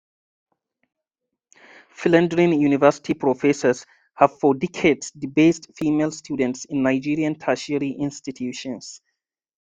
Philandering university professors have for decades debased female students in Nigerian tertiary institutions.